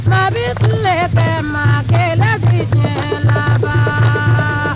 maa y'i tile kɛ maa kelen tɛ diɲɛ laban